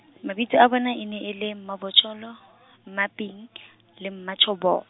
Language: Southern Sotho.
mabitso a bona e ne e le Mmabojolo, Mmaping, le Mmatjhobo-.